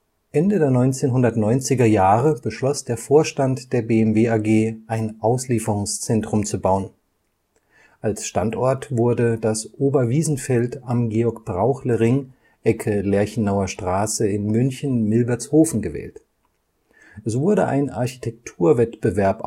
Ende der 1990er-Jahre beschloss der Vorstand der BMW AG, ein Auslieferungszentrum zu bauen. Als Standort wurde das Oberwiesenfeld am Georg-Brauchle-Ring Ecke Lerchenauer Straße in München-Milbertshofen gewählt. Es wurde ein Architekturwettbewerb